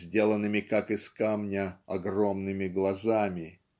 сделанными как из камня огромными глазами"